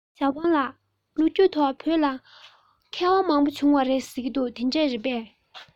ཞའོ ཧྥུང ལགས ཟེར ཡས ལ བྱས ན ལོ རྒྱུས ཐོག བོད ལ མཁས པ མང པོ བྱུང བ རེད ཟེར གྱིས དེ འདྲ རེད པས